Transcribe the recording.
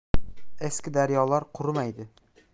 eski daryolar qurimaydi